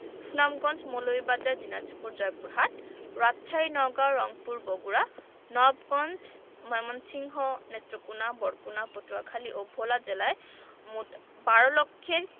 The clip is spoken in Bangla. সুনামগঞ্জ মৌলভীবাজার দিনাজপুর জয়পুরহাট রাজশাহী নওগাঁ রংপুর বগুড়া নবাবগঞ্জ ময়মনসিংহ নেত্রকোনা বরগুনা পটুয়াখালী ও ভোলা জেলায় মোট ১২ লক্ষের